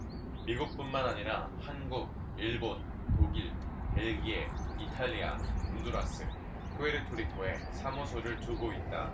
미국뿐만 아니라 한국 일본 독일 벨기에 이탈리아 온두라스 푸에르토리코에 사무소를 두고 있다